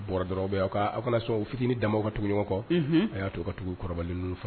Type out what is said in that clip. N'u bɔra dɔrɔnw ou bien aw kana sɔn u fitinin dama ka tugu ɲɔgɔn kɔ, unhun, , a y'a to u ka tugu kɔrɔ ninnu kɔ